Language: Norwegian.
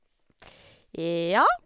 Ja.